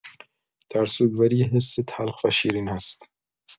در سوگواری یه حس تلخ و شیرین هست؛